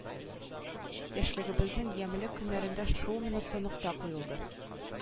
Яшьлегебезнең ямьле көннәрендә шул минутта нокта куелды